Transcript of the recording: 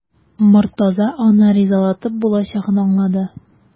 Мортаза аны ризалатып булачагын аңлады.